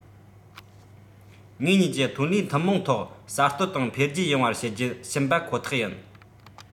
ངེད གཉིས ཀྱི ཐོན ལས ཐུན མོང ཐོག གསར གཏོད དང འཕེལ རྒྱས ཡོང བར བྱེད རྒྱུ བྱིན པ ཁོ ཐག ཡིན